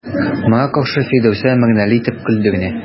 Моңа каршы Фирдәүсә мәгънәле итеп көлде генә.